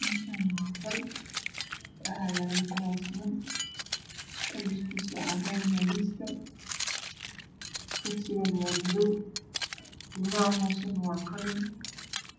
Meeshaan waa qol waxa yaallo kuraasman kalarkiisu caddaan yahay miiska kursiga waa maddow lugaha hoose waa qallin